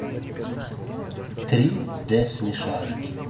три дэ смешарики